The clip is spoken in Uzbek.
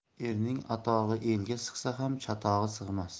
erning atog'i elga sig'sa ham chatog'i sig'mas